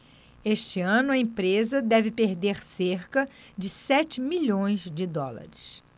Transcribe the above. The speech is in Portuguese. este ano a empresa deve perder cerca de sete milhões de dólares